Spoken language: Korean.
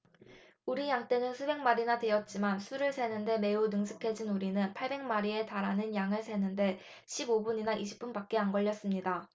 우리 양 떼는 수백 마리나 되었지만 수를 세는 데 매우 능숙해진 우리는 팔백 마리에 달하는 양을 세는 데 십 오 분이나 이십 분밖에 안 걸렸습니다